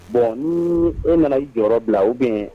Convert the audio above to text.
Bɔn e nana i jɔyɔrɔ bila o gɛn